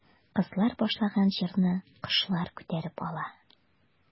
Кызлар башлаган җырны кошлар күтәреп ала.